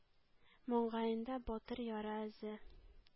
Маңгаенда батыр яра эзе